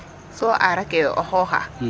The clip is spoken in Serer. Soo aaraa ke o xooxaa?